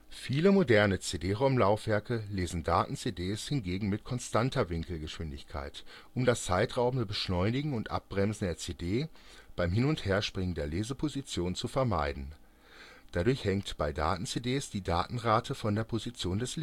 Viele moderne CD-ROM-Laufwerke lesen Daten-CDs hingegen mit konstanter Winkelgeschwindigkeit, um das zeitraubende Beschleunigen und Abbremsen der CD beim Hin - und Herspringen der Leseposition zu vermeiden. Dadurch hängt bei Daten-CDs die Datenrate von der Position des